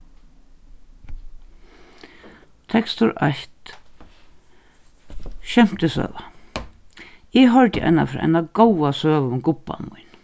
tekstur eitt skemtisøga eg hoyrdi eina ferð eina góða søgu um gubba mín